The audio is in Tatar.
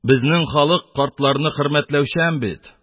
Безнең халык картларны хөрмәтләүчән бит: